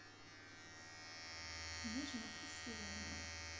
у меня жена красивее намного